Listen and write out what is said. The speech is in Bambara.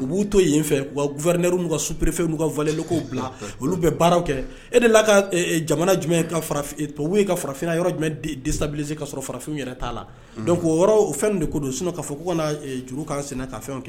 u b'u to yen fɛ vɛ ka supere fɛn ka vlenlakaw bila olu bɛ baararaw kɛ e de la ka jamana jumɛn ka farafinna yɔrɔ jumɛn desabise ka sɔrɔ farafin yɛrɛ t'a la dɔnku yɔrɔ fɛn de ko don sun k'a fɔ' ka jurukan sen ka fɛn kɛ